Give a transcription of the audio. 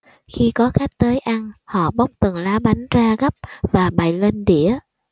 khi có khách tới ăn họ bóc từng lá bánh ra gấp và bày lên đĩa